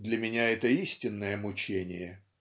для меня это истинное мучение"